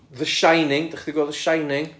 The Shining... dach chi 'di gweld The Shining?